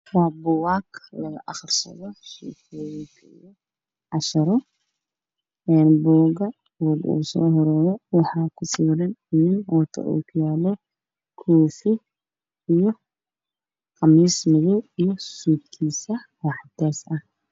Waa buugaag laga akhristo sheekooyin ka iyo cashiro buuga ugu soo horeeyo waxaa ku sawiran nin wato oo kiyaalo koofi iyo khamiis madoow ah iyo suud kiisa oo cadees ah